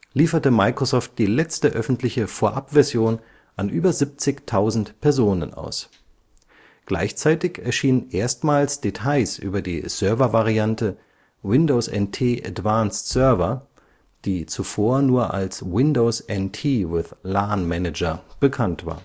lieferte Microsoft die letzte öffentliche Vorabversion an über 70.000 Personen aus. Gleichzeitig erschienen erstmals Details über die Server-Variante Windows NT Advanced Server, die zuvor nur als Windows NT with LAN Manager bekannt war